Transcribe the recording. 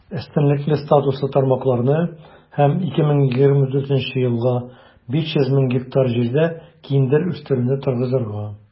Өстенлекле статуслы тармакларны һәм 2024 елга 500 мең гектар җирдә киндер үстерүне торгызырга.